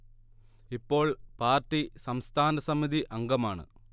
ഇപ്പോൾ പാർട്ടി സംസ്ഥാന സമിതി അംഗമാണ്